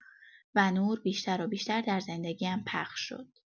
و نور، بیشتر و بیشتر در زندگی‌ام پخش شد.